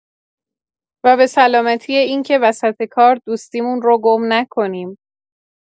و به سلامتی اینکه وسط کار دوستیمون رو گم نکنیم.